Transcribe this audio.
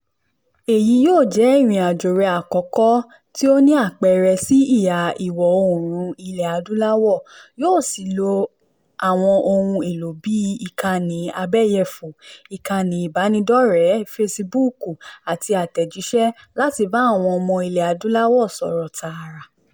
Èyí yóò jẹ́ ìrìn-àjò rẹ̀ àkọ́kọ́ tí ó ní àpẹẹrẹ sí Ìhà - ìwọ̀-oòrùn Ilẹ̀ Adúláwò yóò sì ló àwọn ohun èlò bíi Ìkànnì Abẹ́yẹfò, ìkànnì ìbánidọ́rẹ̀ẹ́ Facebook àti àtẹ̀jíṣẹ́ láti bá àwọn ọmọ Ilẹ̀ Adúláwò sọ̀rọ̀ tààrà.